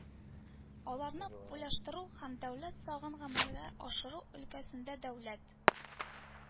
Аларны популярлаштыру һәм дәүләт сагын гамәлгә ашыру өлкәсендә дәүләт